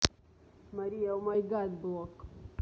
мария о май гад блок